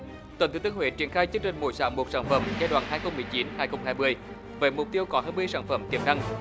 tỉnh thừa thiên huế triển khai chương trình mỗi xã một sản phẩm giai đoạn hai không mười chín hai không hai mươi với mục tiêu có thiết bị sản phẩm tiềm năng